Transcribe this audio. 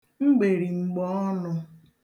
mgbèrìm̀gbè ọnụ̄